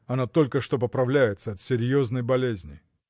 Она только что поправляется от серьезной болезни.